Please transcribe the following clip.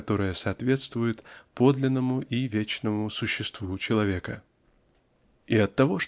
которая соответствует подлинному и вечному существу человека. И оттого